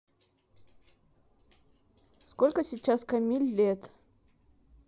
сколько сейчас камиль лет